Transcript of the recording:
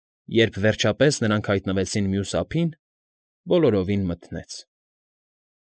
Երբ, վերջապես, նրանք հայտնվեցին մյուս ափին, բոլորովին մթնեց։